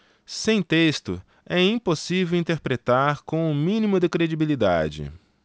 sem texto é impossível interpretar com o mínimo de credibilidade